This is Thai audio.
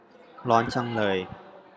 ร้อนจังเลย